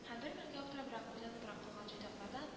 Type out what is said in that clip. Һәм бер мәлгә аптырабрак-уйланыбрак калган җайдаклардан